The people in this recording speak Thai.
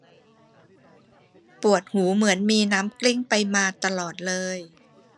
ปวดหูเหมือนมีน้ำกลิ้งไปมาตลอดเลย